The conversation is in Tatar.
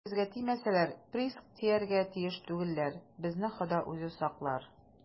- алар безгә тимәсләр, приск, тияргә тиеш түгелләр, безне хода үзе саклар.